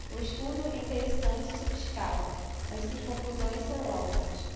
o estudo é interessante e sofisticado mas suas conclusões são óbvias